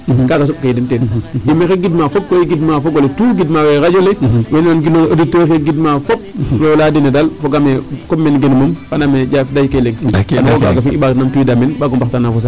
Kaaga soɓkee den teen mexey gidma fop koy gidma fog ole tout gidma wee radio le we na nagilooxa auditeur we gidma fop layaa den e dal foogaam ee comme mene genum moom andaam e jaf daykee leŋ bo i mbaag o numtuwiida meen mbaag o mbaxtaana fo saax le.